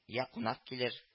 Йә кунак килер